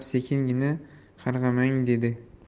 sekingina qarg'amang dedi